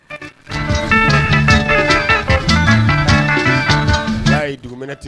Ye duguminɛ tigɛ